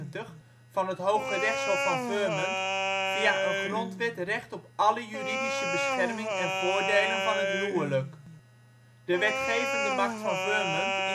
van het Hooggerechtshof van Vermont via de grondwet recht op alle juridische bescherming en voordelen van het huwelijk. De wetgevende macht van Vermont